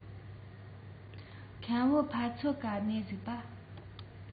ཁམ བུ ཕ ཚོ ག ནས གཟིགས པ